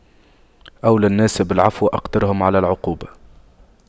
أولى الناس بالعفو أقدرهم على العقوبة